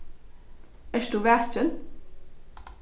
ert tú vakin